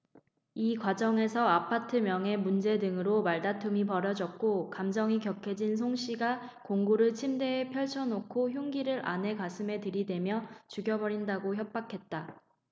이 과정에서 아파트 명의 문제 등으로 말다툼이 벌어졌고 감정이 격해진 송씨가 공구를 침대에 펼쳐놓고 흉기를 아내 가슴에 들이대며 죽여버린다고 협박했다